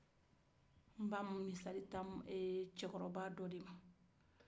n b'a misali ta ee cɛkɔrɔba dɔ de ma